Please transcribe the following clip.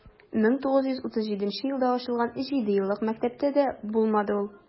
1937 елда ачылган җидееллык мәктәптә дә булмады ул.